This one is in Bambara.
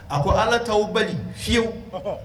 A ko ala'aw bali fiyewu